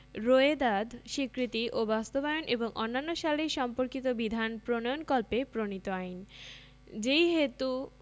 রোয়েদাদ স্বীকৃতি ও বাস্তবায়ন এবং অন্যান্য সালিস সম্পর্কিত বিধান প্রণয়নকল্পে প্রণীত আইন যেইহেতু